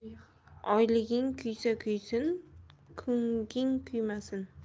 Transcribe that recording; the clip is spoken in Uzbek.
oyliging kuysa kuysin kunkging kuymasin